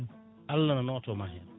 Allah na notoma hen